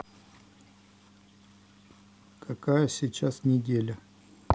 какая сейчас неделя